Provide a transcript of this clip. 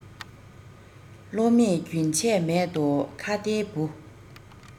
བློ མེད རྒྱུན ཆད མེད དོ ཁྭ ཏའི བུ